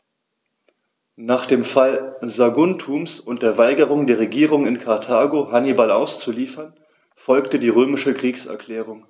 Nach dem Fall Saguntums und der Weigerung der Regierung in Karthago, Hannibal auszuliefern, folgte die römische Kriegserklärung.